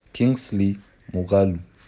Kingsley Moghalu